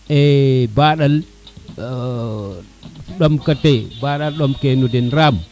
baɗan ɗom kate baɗan ɗom ke na den raam